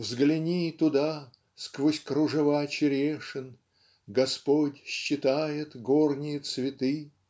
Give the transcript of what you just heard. Взгляни туда, сквозь кружева черешен: Господь считает горние цветы.